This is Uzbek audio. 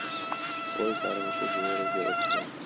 qo'y qarg'ishi bo'riga o'tmas